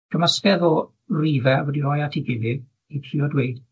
Cymysgedd o rife wedi roi at 'i gilydd, i trio dweud